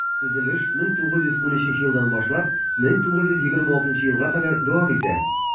Төзелеш 1913 елдан башлап 1926 елга кадәр дәвам итә.